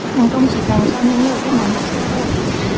thành công chỉ dành cho những người biết nắm bắt cơ hội